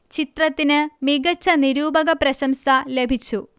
ചിത്രത്തിന് മികച്ച നിരൂപക പ്രശംസ ലഭിച്ചു